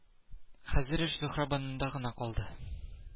Хәзер эш Зөһрәбануда гына калды